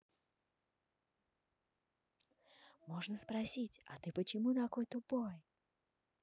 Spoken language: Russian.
можно спросить а ты почему такой тупой